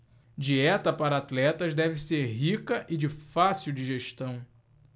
dieta para atletas deve ser rica e de fácil digestão